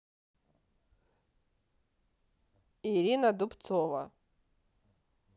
ирина дубцова